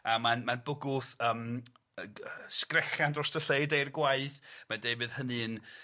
A mae'n mae'n bwgwth yym yy g- yy sgrechian drost y lle i deud gwaeth mae'n deud fydd hynny'n